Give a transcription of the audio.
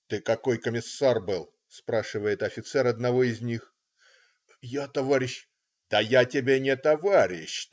"Ты какой комиссар был?" - спрашивает офицер одного из них. "Я, товарищ. "- "Да я тебе не товарищ.